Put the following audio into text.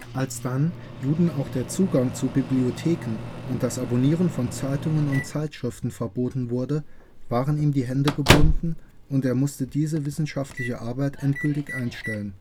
Als dann Juden auch der Zugang zu Bibliotheken und das Abonnieren von Zeitungen und Zeitschriften verboten wurde, waren ihm die Hände gebunden und er musste diese wissenschaftliche Arbeit endgültig einstellen